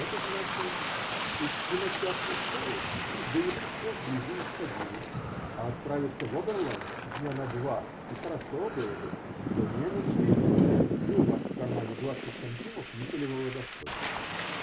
Это значило: идти на час не стоит, да и мы все вблизи исходили, а отправиться в Оберланд дня на два и хорошо было бы, да у меня нет денег, и у вас в кармане двадцать сантимов никелевого достоинства.